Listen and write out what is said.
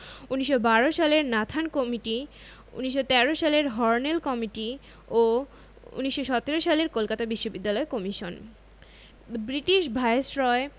১৯১২ সালের Nathan committee ১৯১৩ সালের Hornell committee ও ১৯১৭ সালের কলকাতা বিশ্ববিদ্যালয় কমিশন ব্রিটিশ ভাইসরয়